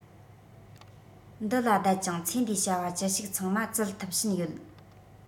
འདི ལ བསྡད ཅིང ཚེ འདིའི བྱ བ ཅི ཞིག ཚང མ བཙལ ཐུབ ཕྱིན ཡོད